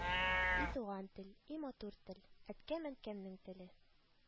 “и туган тел, и матур тел, әткәм-әнкәмнең теле